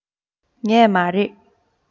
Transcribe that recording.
ངས མ རེད